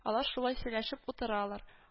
Алар шулай сөйләшеп утыралар